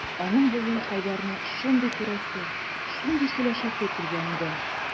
Аның бүген Хәйдәрне шундый күрәсе, шундый сөйләшәсе килгән иде...